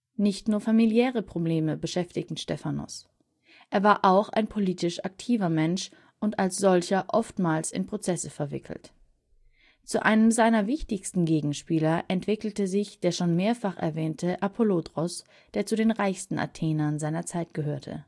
Nicht nur familiäre Probleme beschäftigten Stephanos: Er war auch ein politisch aktiver Mensch und als solcher oftmals in Prozesse verwickelt. Zu einem seiner wichtigsten Gegenspieler entwickelte sich der schon mehrfach erwähnte Apollodoros, der zu den reichsten Athenern seiner Zeit gehörte